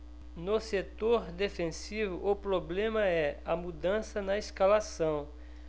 no setor defensivo o problema é a mudança na escalação